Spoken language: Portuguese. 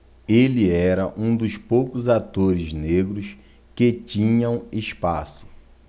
ele era um dos poucos atores negros que tinham espaço